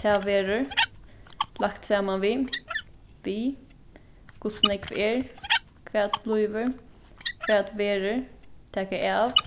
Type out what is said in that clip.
tað verður lagt saman við við hvussu nógv er hvat blívur hvat verður taka av